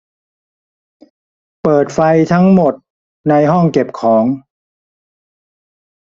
เปิดไฟทั้งหมดในห้องเก็บของ